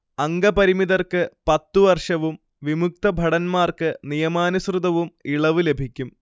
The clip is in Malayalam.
അംഗപരിമിതർക്ക് പത്ത് വർഷവും വിമുക്തഭടന്മാർക്ക് നിയമാനുസൃതവും ഇളവ് ലഭിക്കും